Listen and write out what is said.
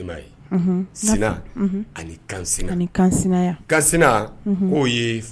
' ye